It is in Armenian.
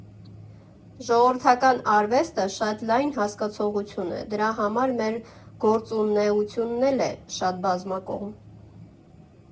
Ժողովրդական արվեստը շատ լայն հասկացություն է, դրա համար մեր գործունեությունն էլ է շատ բազմակողմ։